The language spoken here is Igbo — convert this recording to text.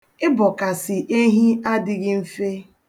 Ịbọkasị ehi adịghị mfe.